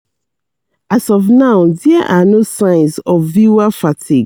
As of now, there are no signs of viewer fatigue.